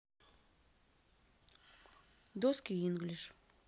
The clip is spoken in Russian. доски инглиш